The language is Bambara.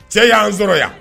Cɛ y'an sɔrɔ yan